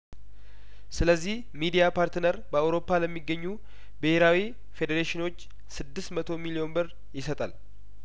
ስለዚህ ሚዲያፓርትነር በአውሮፓ ለሚገኙ ብሄራዊ ፌዴሬሽኖች ስድስት መቶ ሚሊዮን ብር ይሰጣል